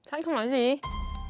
anh không nói gì